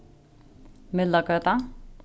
myllágøta